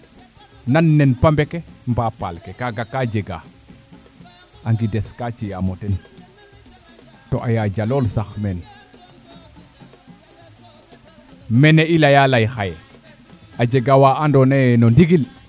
\nan nen pambe ke mba paal ke kaga ka jega a ŋides ka ci'amo ten to a yaajo lool sax menmene i leya ley xaye a jega waa ando naye no ndigil